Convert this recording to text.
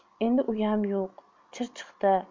endi uyam yo'q chirchiqda